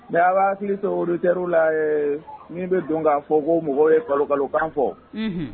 Mɛ aba hakili to olutɛr la ye n min bɛ don k'a fɔ ko mɔgɔw ye kalo kalokan fɔ